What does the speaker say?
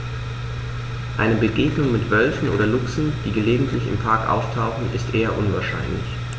Eine Begegnung mit Wölfen oder Luchsen, die gelegentlich im Park auftauchen, ist eher unwahrscheinlich.